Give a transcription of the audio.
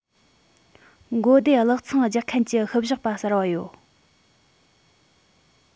མགོ བདེ གླགས ཚོང རྒྱག མཁན གྱི བཤུ གཞོག པ གསར པ ཡོད